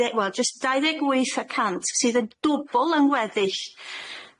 dde- wel jyst dau ddeg wyth y cant sydd yn dwbwl yng ngweddill,